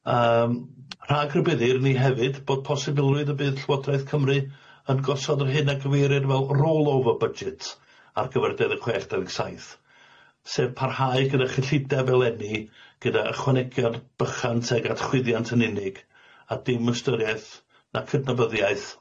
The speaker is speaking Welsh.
Yym rhag rybuddi'r ni hefyd bod posibilrwydd y bydd Llywodraeth Cymru yn gosod yr hyn a gyfeiriad fel rollover budget ar gyfer dau ddeg chwech dau ddeg saith, sef parhau gyda chyllideb eleni gyda ychwanegiad bychant tuag at chwyddiant yn unig, a dim ystyrieth na cydnabyddiaeth.